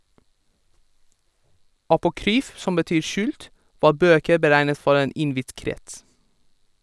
Apokryf, som betyr skjult, var bøker beregnet for en innvidd krets.